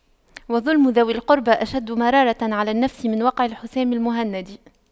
وَظُلْمُ ذوي القربى أشد مرارة على النفس من وقع الحسام المهند